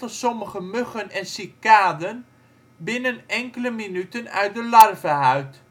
sommige muggen en cicaden binnen enkele minuten uit de larvehuid